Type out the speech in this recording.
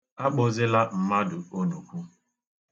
Akpọzila mmadụ onukwu.